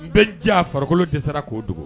Bɛɛ ja farikolo tɛ sera k'o dogo